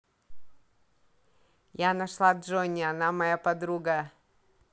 я нашла джонни она моя подруга